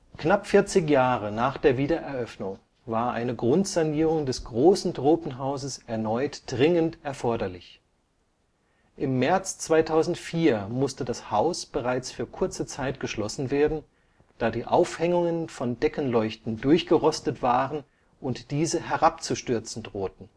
Knapp 40 Jahre nach der Wiedereröffnung war eine Grundsanierung des Großen Tropenhauses erneut dringend erforderlich. Im März 2004 musste das Haus bereits für kurze Zeit geschlossen werden, da die Aufhängungen von Deckenleuchten durchgerostet waren und diese herabzustürzen drohten